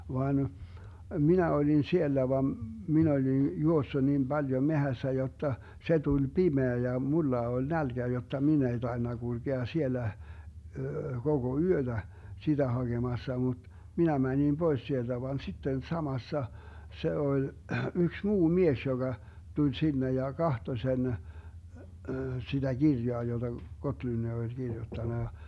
vaan minä olin siellä vaan minä olin juossut niin paljon metsässä jotta se tuli pimeä ja minulla oli nälkä jotta minä ei tainnut kulkea siellä koko yötä sitä hakemassa mutta minä menin pois sieltä vaan sitten samassa se oli yksi muu mies joka tuli sinne ja katsoi sen sitä kirjaa jota Gottlund oli kirjoittanut ja